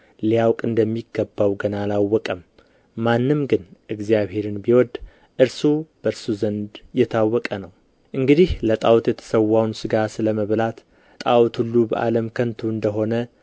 ሊያውቅ እንደሚገባው ገና አላወቀም ማንም ግን እግዚአብሔርን ቢወድ እርሱ በእርሱ ዘንድ የታወቀ ነው እንግዲህ ለጣዖት የተሠዋውን ሥጋ ስለ መብላት ጣዖት ሁሉ በዓለም ከንቱ እንደ ሆነ